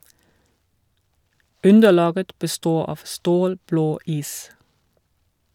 Underlaget består av stålblå is.